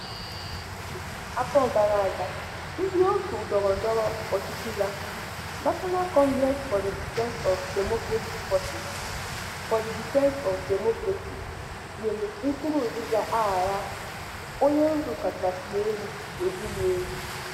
"Na Maachị afọ gara aga, ndị òtù ndọrọndọrọ ọchịchị ya, National Council for the Defense of Democracy-Forces for the Defense of Democracy," nyere Nkurunziza aha a "onye ndu kachasị elu ebighị ebi"